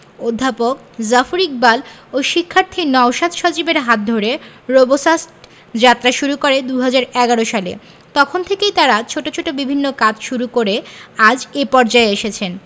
অধ্যাপক জাফর ইকবাল ও শিক্ষার্থী নওশাদ সজীবের হাত ধরে রোবোসাস্ট যাত্রা শুরু করে ২০১১ সালে তখন থেকেই তারা ছোট ছোট বিভিন্ন কাজ শুরু করে আজ এ পর্যায়ে এসেছেন